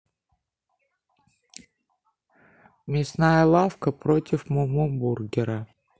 мясная лавка против муму бургера